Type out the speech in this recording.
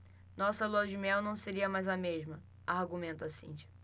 nossa lua-de-mel não seria mais a mesma argumenta cíntia